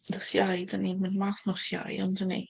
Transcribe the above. Nos Iau, dan ni'n mynd mas nos Iau, yn 'dyn ni?